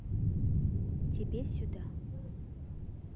тебе сюда